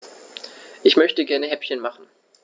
Ich möchte gerne Häppchen machen.